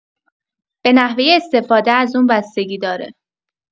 به نحوه استفاده از اون بستگی داره.